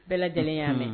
Bɛɛ lajɛlen y'a mɛn